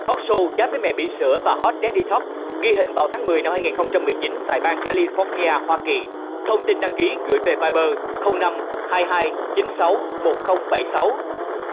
thoóc sô chát với mẹ bỉm sữa và hót đây đi thoóc ghi hình vào tháng mười năm hai ngàn không trăm mười chín tại bang ca li phoóc ni a hoa kỳ thông tin đăng ký gửi về phai bơ không năm hai hai chín sáu một không bảy sáu